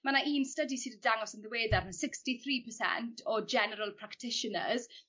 ma' 'na un study sy 'di dangos yn ddiweddar ma' sixty three percent o General practitioners